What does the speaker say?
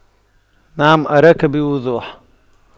نعم أراك بوضوح